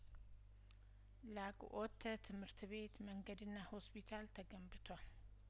ላቁኦተ ትምህርት ቤት መንገድና ሆስፒታል ተገንብቷል